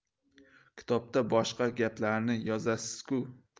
kitobda boshqa gaplarni yozasiz ku